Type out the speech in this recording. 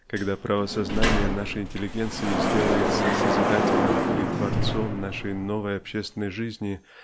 когда правосознание нашей интеллигенции сделается созидателем и творцом нашей новой общественной жизни